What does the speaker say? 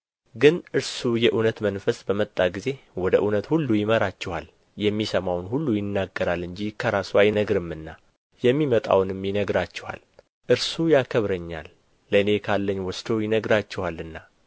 ግን እርሱ የእውነት መንፈስ በመጣ ጊዜ ወደ እውነት ሁሉ ይመራችኋል የሚሰማውን ሁሉ ይናገራል እንጂ ከራሱ አይነግርምና የሚመጣውንም ይነግራችኋል እርሱ ያከብረኛል ለእኔ ካለኝ ወስዶ ይነግራችኋልና